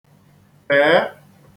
tèe